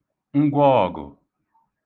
ngwọọ̀gụ̀